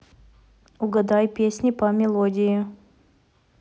угадай песни по мелодии